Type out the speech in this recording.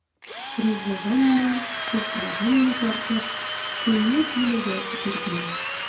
Ризыгыммы, туфрагыммы тартып, Күлле Кимегә китергән.